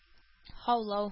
Һаулау